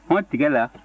hɔn tiga la